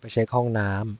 ไปเช็คห้องน้ำ